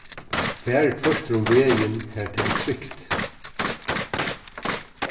far tvørtur um vegin har tað er trygt